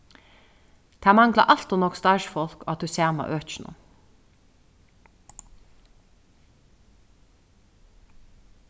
tað mangla alt ov nógv starvsfólk á tí sama økinum